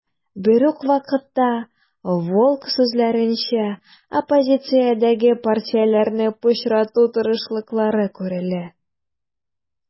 Берүк вакытта, Волк сүзләренчә, оппозициядәге партияләрне пычрату тырышлыклары күрелә.